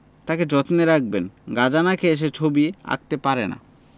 তাকে যত্নে রাখবেন গাজা না খেয়ে সে ছবি আঁকতে পারে না